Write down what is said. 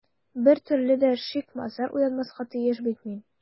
Бер төрле дә шик-мазар уятмаска тиеш бит мин...